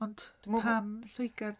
Ond... dwi'n meddwl bod. ...pam Lloegr 'de?